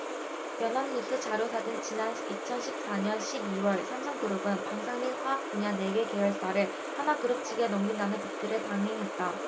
연합뉴스 자료사진 지난 이천 십 사 년 십 이 월 삼성그룹은 방산 및 화학 분야 네 개 계열사를 한화그룹 측에 넘기는 빅딜을 단행했다